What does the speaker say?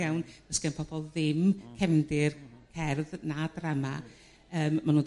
iawn d's gen pobol ddim cefndir cerdd na drama yrm m' nhw